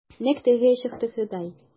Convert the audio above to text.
Нәкъ теге чактагыдай.